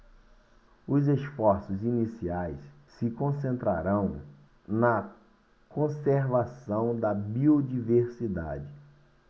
os esforços iniciais se concentrarão na conservação da biodiversidade